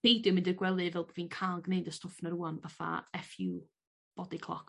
peidio mynd i'r gwely fel bo' fi'n ca'l gneud y stwff 'na rŵan fatha eff you body clock ...